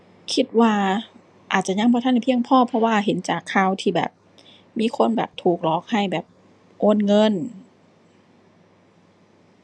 คิดว่าอาจจะยังบ่ทันได้เพียงพอ เพราะว่าเห็นจากข่าวที่แบบ มีคนแบบถูกหลอกให้แบบโอนเงิน